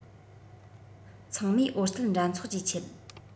ཚང མས ཨོ རྩལ འགྲན ཚོགས ཀྱི ཆེད